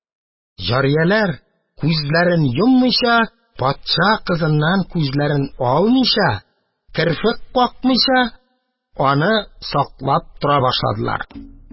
Җарияләр, күзләрен йоммыйча, патша кызыннан күзләрен алмыйча, керфек какмыйча, аны саклап тора башладылар.